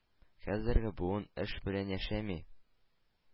Хәзерге буын эш белән яшәми,